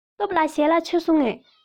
སྟོབས ལགས ཞལ ལག མཆོད སོང ངས